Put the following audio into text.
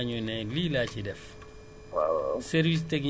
hectare bu nekk yow yaa ñuy ne lii laa ciy def